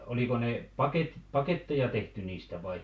oliko ne - paketteja tehty niistä vai